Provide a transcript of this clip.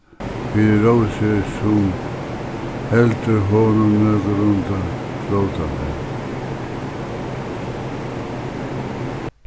fyri rósu sum heldur honum nøkulunda flótandi